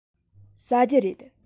ཟ རྒྱུ རེད